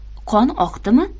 qon oqdimi